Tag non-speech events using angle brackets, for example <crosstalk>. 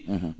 <hesitation> <hesitation>